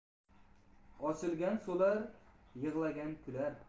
ochilgan so'lar yig'lagan kular